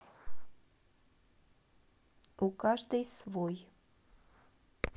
у каждой свой